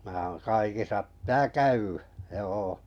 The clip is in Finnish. minä olen kaikissa pitää käydä joo